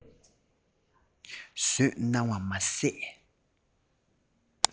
བཟོས གནང བ མ ཟད